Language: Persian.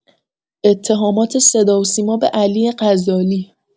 اتهامات صداوسیما به علی غزالی